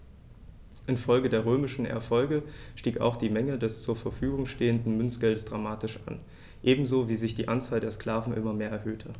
Infolge der römischen Erfolge stieg auch die Menge des zur Verfügung stehenden Münzgeldes dramatisch an, ebenso wie sich die Anzahl der Sklaven immer mehr erhöhte.